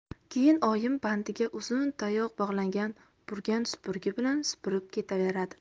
keyin oyim bandiga uzun tayoq bog'langan burgan supurgi bilan supurib ketaveradi